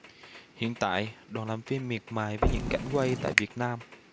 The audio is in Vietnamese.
hiện tại đoàn làm phim miệt mài với những cảnh quay tại việt nam